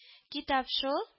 — китап шул